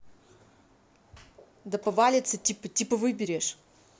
да повалится типа типа выберешь